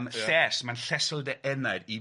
am lles, mae'n llesol i dy enaid